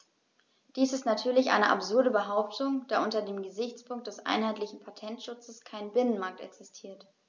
Dies ist natürlich eine absurde Behauptung, da unter dem Gesichtspunkt des einheitlichen Patentschutzes kein Binnenmarkt existiert.